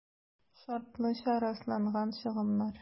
«шартлыча расланган чыгымнар»